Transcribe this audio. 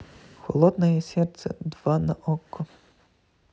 холодное сердце два на окко